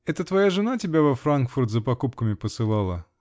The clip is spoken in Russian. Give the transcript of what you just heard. -- Это твоя жена тебя во Франкфурт за покупками посылала?